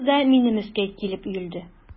Барысы да минем өскә килеп иелде.